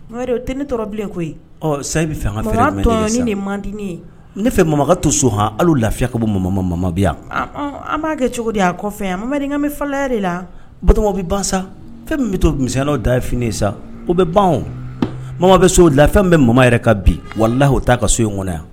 Tɛ ne torabilen koyi ɔ sa bɛ fɛn fɛ ni man ne fɛ mamaka to so hɔn hali lafiya ka bɔ mamama mamamabi yan an m'a kɛ cogo de y' kɔfɛ a mamami fa yɛrɛ de la ba bɛ ban sa fɛn bɛ to misɛnyaw da fini sa o bɛ ban mama bɛ so la fɛn bɛ mama yɛrɛ ka bi wala la' o t taa ka so in kɔnɔ yan